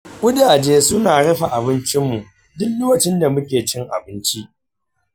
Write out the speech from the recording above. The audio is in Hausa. ƙudaje suna rufe abincinmu duk lokacin da muke cin abinci.